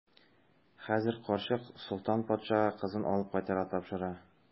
Хәзер карчык Солтан патшага кызын алып кайтып тапшыра.